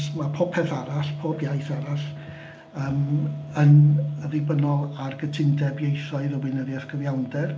Ma' popeth arall, pob iaith arall yym yn ddibynnol ar gytundeb ieithoedd y weinyddiaeth gyfiawnder.